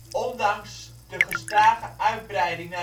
Ondanks de gestage uitbreiding